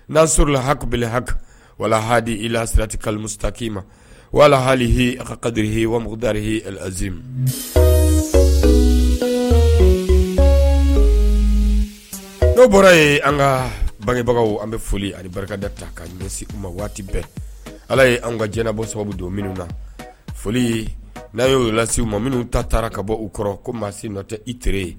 N'a sɔrɔla hakib haki wala ha ilasirarati kali muta kki ma wala halihi a kadiri h wadari zime dɔw bɔra yen an ka bangebagaw an bɛ foli ani barika da ta kasin ma waati bɛɛ ala ye an ka jɛnɛ bɔ sababu don minnu na foli n'an y'olasi u ma minnu ta taara ka bɔ u kɔrɔ ko maasi nɔ tɛ i terire ye